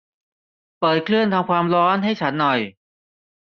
เปิดเครื่องทำความร้อนให้ฉันหน่อย